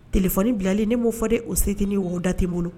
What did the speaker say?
Tile kunnafoni bilali ni m' fɔ de o setinin woda tɛ n bolo